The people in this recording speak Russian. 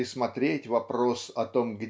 пересмотреть вопрос о том